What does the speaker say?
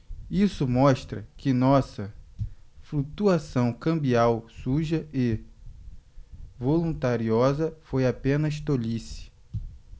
isso mostra que nossa flutuação cambial suja e voluntariosa foi apenas tolice